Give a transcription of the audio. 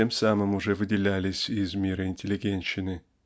тем самым уже выделялись из мира "интеллигентщины".